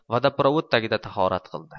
vodoprovod tagida tahorat qildi